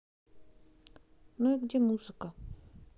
ну и где музыка